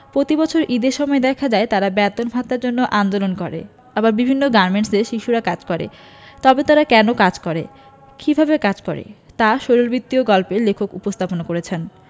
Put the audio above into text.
প্রতিবছর ঈদের সময় দেখা যায় তারা বেতন ভাতার জন্য আন্দোলন করে আবার বিভিন্ন গার্মেন্টসে শিশুরা কাজ করে তবে তারা কেন কাজ করে কিভাবে কাজ করে তা শরীরবৃত্তীয় গল্পে লেখক উপস্থাপন করেছেন